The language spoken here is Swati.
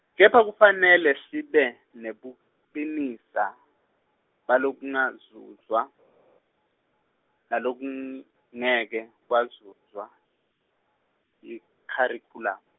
kepha kufanele sibe nebucinisa balokungazuzwa nalokung- -nekekwazuzwa yikharikhulamu.